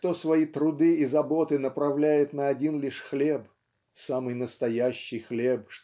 кто свои труды и заботы направляет на один лишь хлеб "самый настоящий хлеб